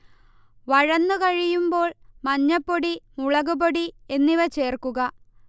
വഴന്നു കഴിയുമ്പോൾ മഞ്ഞൾപ്പൊടി, മുളകുപൊടി എന്നിവ ചേർക്കുക